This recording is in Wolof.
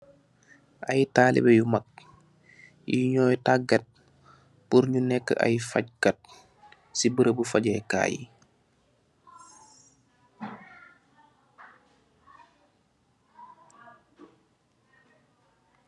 Aye taalibeh yu mak, yu nyooy taagat, pur nyu nek aye fach kat, si beaureaubu fajee kaay.